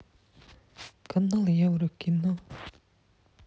канал еврокино